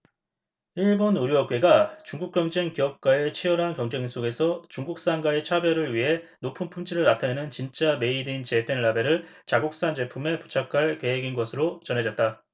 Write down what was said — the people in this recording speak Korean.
일본 의류업계가 중국 경쟁 기업과의 치열한 경쟁 속에서 중국산과의 차별을 위해 높은 품질을 나타내는 진짜 메이드 인 재팬 라벨을 자국산 제품에 부착할 계획인 것으로 전해졌다